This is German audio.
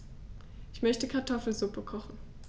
Ich möchte Kartoffelsuppe kochen.